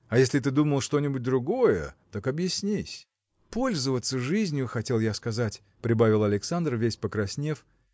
а если ты думал что-нибудь другое, так объяснись. – Пользоваться жизнию хотел я сказать – прибавил Александр весь покраснев